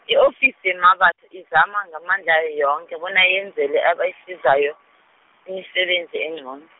i-ofisi yeMmabatho, izama ngamandla yonke, bona yenzele ebasizayo, imisebenzi engcono.